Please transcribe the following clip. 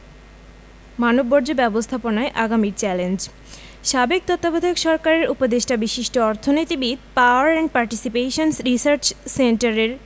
মানববর্জ্য ব্যবস্থাপনা আগামীর চ্যালেঞ্জ সাবেক তত্ত্বাবধায়ক সরকারের উপদেষ্টা বিশিষ্ট অর্থনীতিবিদ পাওয়ার অ্যান্ড পার্টিসিপেশন রিসার্চ সেন্টারের